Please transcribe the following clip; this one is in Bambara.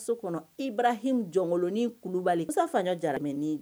I bara jɔnkolonin kulubali jaramɛ